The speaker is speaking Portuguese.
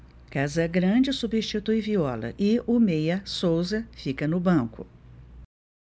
casagrande substitui viola e o meia souza fica no banco